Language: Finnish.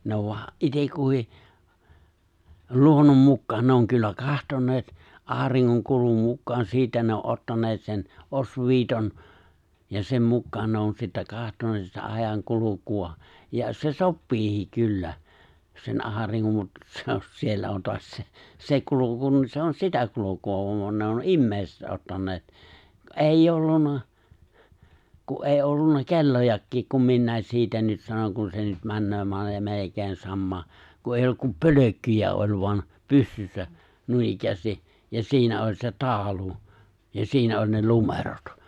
ne on vain itse kukin luonnon mukaan ne on kyllä katsoneet auringon kulun mukaan siitä ne on ottaneet sen osviitan ja sen mukaan ne on sitten katsoneet sitä ajankulua ja se sopiikin kyllä sen auringon mutta se on siellä on taas se se kulku niin se on sitä kulkua kun ne on ihmiset ottaneet ei ollut kun ei ollut kellojakin kun minä siitä nyt sanon kun se nyt menee - melkein samaa kun ei ollut kuin pölkkyjä oli vaan pystyssä noinikään ja siinä oli se taulu ja siinä oli ne numerot